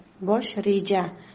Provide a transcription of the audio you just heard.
bosh reja